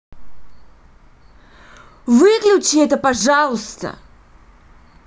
выключи это пожалуйста